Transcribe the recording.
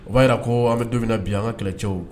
U b'a jira ko an bɛ don min na bi an ka kɛlɛcɛ